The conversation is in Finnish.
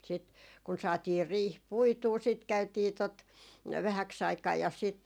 sitten kun saatiin riihi puitua sitten käytiin tuota vähäksi aikaa ja sitten